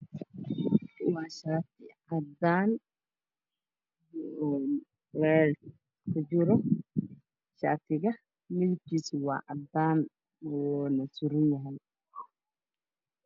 Waa shaati cadaan meel ku jiro shaatiga midabkiisu waa caddaan wuuna suranyahay